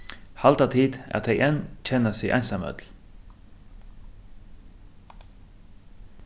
halda tit at tey enn kenna seg einsamøll